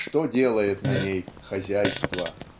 что делает на ней хозяйство.